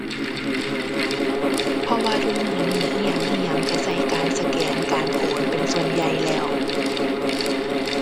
เพราะว่าทุกมื้อนี้อิหยังอิหยังก็ก็การสแกน การโอน เป็นส่วนใหญ่แล้ว